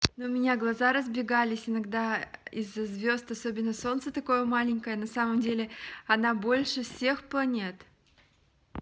ну у меня глаза разбегались иногда из за звезд особенно солнце такое маленькое на самом деле она больше всех планет